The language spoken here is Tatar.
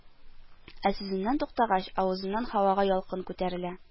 Ә сүзеннән туктагач, авызыннан һавага ялкын күтәрелә